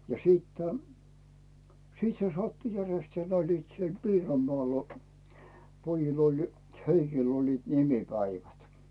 ja siitä sitten se sattui järjestään ne olivat siellä Piironmaalla pojilla oli Heikillä olivat nimipäivät